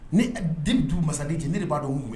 Ni den don masa ne de b'a dɔn mun ye